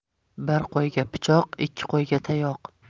bir qo'yga pichoq ikki qo'yga tayoq